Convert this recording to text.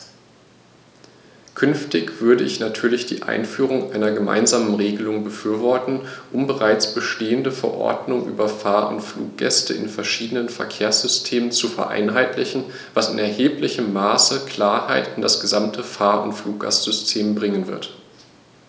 Künftig würde ich natürlich die Einführung einer gemeinsamen Regelung befürworten, um bereits bestehende Verordnungen über Fahr- oder Fluggäste in verschiedenen Verkehrssystemen zu vereinheitlichen, was in erheblichem Maße Klarheit in das gesamte Fahr- oder Fluggastsystem bringen wird.